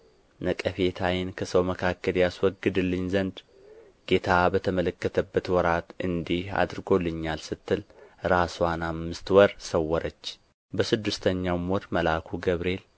ነቀፌታዬን ከሰው መካከል ያስወግድልኝ ዘንድ ጌታ በተመለከተበት ወራት እንዲህ አድርጎልኛል ስትል ራስዋን አምስት ወር ሰወረች በስድስተኛውም ወር መልአኩ ገብርኤል